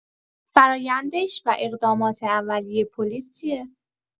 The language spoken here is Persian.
فرایندش و اقدامات اولیه پلیس چیه؟